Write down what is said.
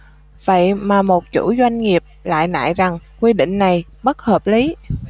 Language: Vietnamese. vậy mà một chủ doanh nghiệp lại nại rằng quy định này bất hợp lý